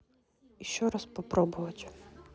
еще раз попробовать